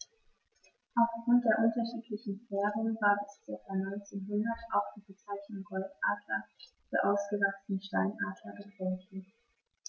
Auf Grund der unterschiedlichen Färbung war bis ca. 1900 auch die Bezeichnung Goldadler für ausgewachsene Steinadler gebräuchlich.